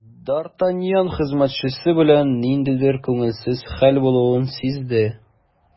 Д’Артаньян хезмәтчесе белән ниндидер күңелсез хәл булуын сизде.